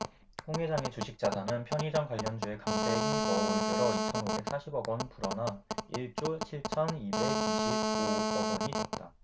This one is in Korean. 홍 회장의 주식자산은 편의점 관련주의 강세에 힘입어 올 들어 이 천 오백 사십 억원 불어나 일 조 칠 천 이백 이십 오 억원이 됐다